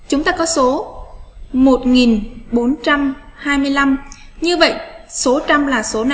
chúng ta có số như vậy số trăm là số